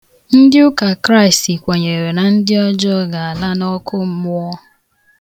Ndị Ụkakraịst kwenyere na ndị njọ ga-ala n’ọkụmmụọ.